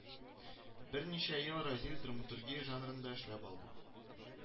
Берничә ел Разил драматургия жанрында эшләп алды